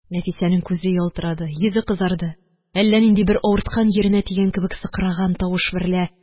Нәфисәнең күзе ялтырады, йөзе кызарды, әллә нинди бер авырткан йиренә тигән кебек, сыкраган тавыш берлә